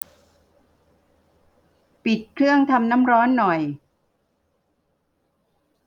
ปิดเครื่องทำร้อนหน่อย